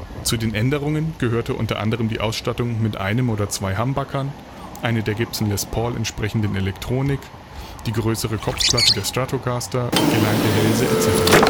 Zu den Änderungen gehörten unter anderem die Ausstattung mit einem oder zwei Humbuckern, eine der Gibson Les Paul entsprechenden Elektronik, die größere Kopfplatte der Stratocaster, geleimte Hälse etc.